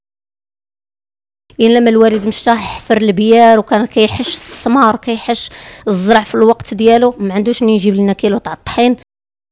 يلم الورد مش حفر البياره سمارك الزرع في الوقت ديالو معندوش يجيب لنا كيلو طحين